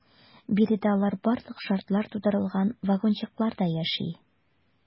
Биредә алар барлык шартлар тудырылган вагончыкларда яши.